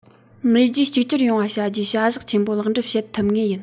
མེས རྒྱལ གཅིག གྱུར ཡོང བ བྱ རྒྱུའི བྱ གཞག ཆེན པོ ལེགས འགྲུབ བྱེད ཐུབ ངེས ཡིན